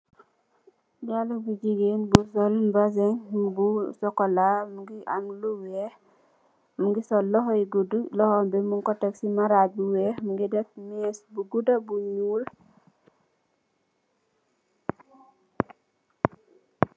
Xale bu jigeen bu sol mbazen bu bu chocola ak lu weex mongi sol loxo yu guda loxom bi mung ko tek si marag bu weex mongi def mess bu guda bu nuul.